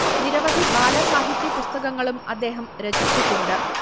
നിരവധി ബാല സാഹിത്യ പുസ്തകങ്ങളും അദ്ദേഹം രചിച്ചിട്ടുണ്ട്